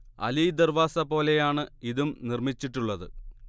അലിദർവാസ പോലെയാണ് ഇതും നിർമിച്ചിട്ടുള്ളത്